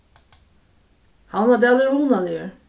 havnardalur er hugnaligur